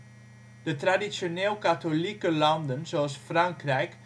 traditioneel katholieke landen zoals Frankrijk